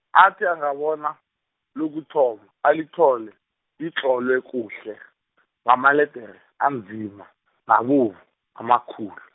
athi angabona, lokuthoma, alithole, litlolwe kuhle, ngamaledere, anzima, nabovu, amakhulu.